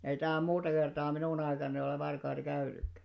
ei tähän muuta kertaa minun aikanani ole varkaita käynytkään